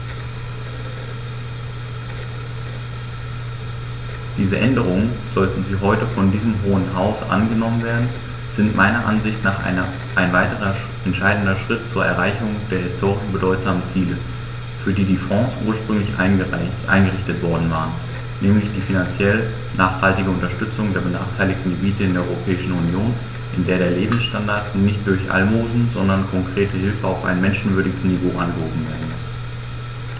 Diese Änderungen, sollten sie heute von diesem Hohen Haus angenommen werden, sind meiner Ansicht nach ein weiterer entscheidender Schritt zur Erreichung der historisch bedeutsamen Ziele, für die die Fonds ursprünglich eingerichtet worden waren, nämlich die finanziell nachhaltige Unterstützung der benachteiligten Gebiete in der Europäischen Union, in der der Lebensstandard nicht durch Almosen, sondern konkrete Hilfe auf ein menschenwürdiges Niveau angehoben werden muss.